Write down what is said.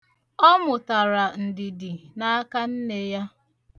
Ọ mụtara ndidi n'aka nne ya.